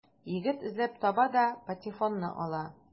Егет эзләп таба да патефонны ала.